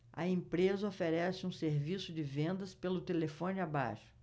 a empresa oferece um serviço de vendas pelo telefone abaixo